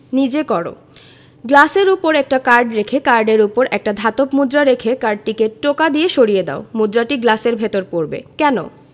নিজে করো গ্লাসের উপর একটা কার্ড রেখে কার্ডের উপর একটা ধাতব মুদ্রা রেখে কার্ডটিকে টোকা দিয়ে সরিয়ে দাও মুদ্রাটি গ্লাসের ভেতর পড়বে কেন